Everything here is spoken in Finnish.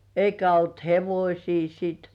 eikä ollut hevosia sitten